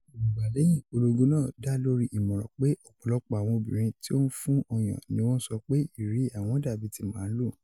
Erongba lẹhin ipolongo naa da lori imọran pe ọpọlọpọ awọn obirin tí ó ń fun ọyan ni wọn sọ pe ìrírí àwọn dàbí ti maalu.